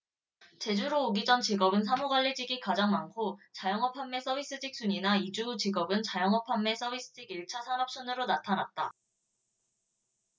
제주로 오기 전 직업은 사무 관리직이 가장 많고 자영업 판매 서비스직 순이나 이주 후 직업은 자영업 판매 서비스직 일 차 산업 순으로 나타났다